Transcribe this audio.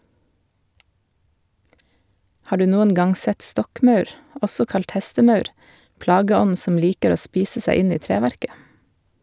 Har du noen gang sett stokkmaur , også kalt hestemaur, plageånden som liker å spise seg inn i treverket?